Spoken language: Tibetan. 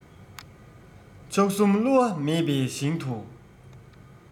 མཆོག གསུམ བསླུ བ མེད པའི ཞིང དུ